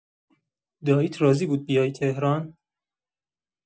دایی‌ات راضی بود بیای تهران؟